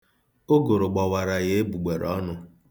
Ụgụrụ gbawara ya egbugbereọnụ.